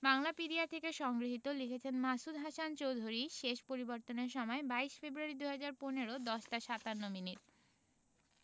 বাংলাপিডিয়া থেকে সংগৃহীত লিখেছেন মাসুদ হাসান চৌধুরী শেষ পরিবর্তনের সময় ২২ ফেব্রুয়ারি ২০১৫ ১০ টা ৫৭ মিনিট